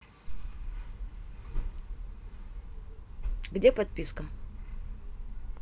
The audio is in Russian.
где подписка